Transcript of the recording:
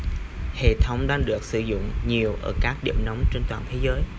hệ thống đang được sử dụng nhiều ở các điểm nóng trên toàn thế giới